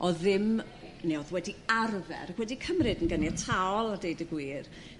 o'dd ddim ne' o'dd wedi arfer wedi cymryd yn gyniataol a d'eud y gwir